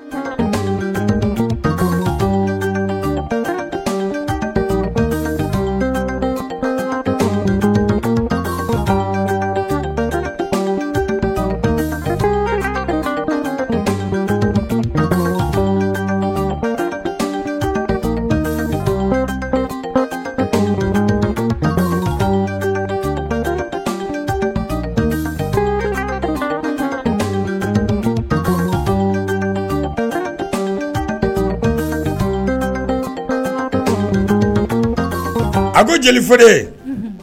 A b bɛ jeli fɔ